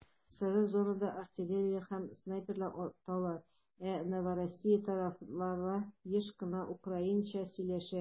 Соры зонада артиллерия һәм снайперлар аталар, ә Новороссия тарафтарлары еш кына украинча сөйләшә.